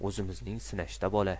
o'zimizning sinashta bola